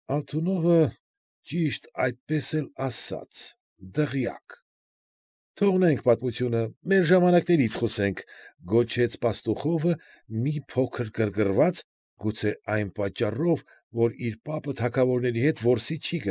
Ալթունովը ճիշտ այդպես էլ ասաց՝ «դղյակ»։ ֊ Թողնենք պատմությունը, մեր ժամանակներից խոսենք,֊ գոչեց Պաստուխովը մի փոքր գրգռված, գուցե այն պատճառով, որ իր պապը թագավորների հետ որսի չի։